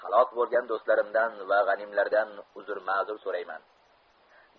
halok bo'lgan do'stlarimdan va g'animlarimdan uzr ma'zur so'rayman